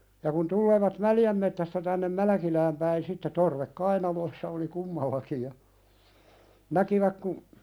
ja kun tulevat Mäljän metsästä tänne Mälkilään päin sitten torvet kainalossa oli kummallakin ja näkivät kun